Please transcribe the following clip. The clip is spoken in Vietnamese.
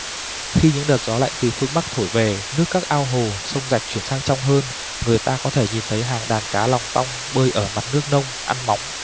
khi những đợt gió lạnh từ phương bắc thổi về nước các ao hồ sông rạch chuyển sang trong hơn người ta có thể nhìn thấy hàng đàn cá lòng tong bơi ở mặt nước nông ăn móng